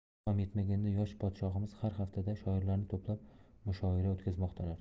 bu ham yetmaganday yosh podshohimiz har haftada shoirlarni to'plab mushoira o'tkazmoqdalar